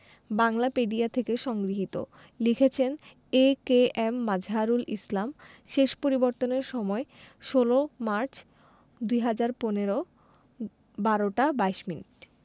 বাংলাপিডিয়া থেকে সংগৃহীত লিখেছেনঃ এ.কে.এম মাযহারুল ইসলাম শেষ পরিবর্তনের সময় ১৬ মার্চ ২০১৫ ১২টা ২২ মিনিট